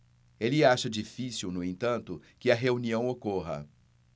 ele acha difícil no entanto que a reunião ocorra